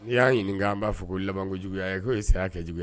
N'i y'an ɲininka an b'a fɔ ko laban ko juguya ye ko ye saya kɛ juguya